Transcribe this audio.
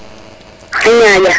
a ñaƴa